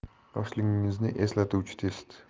yoshligingizni eslatuvchi test